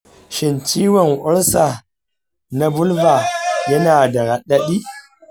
shin ciwon olsa na vulva yana da radaɗi?